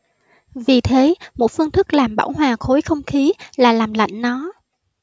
vì thế một phương thức làm bảo hòa khối không khí là làm lạnh nó